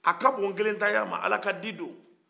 a kabo n kelen tayama ala ka di don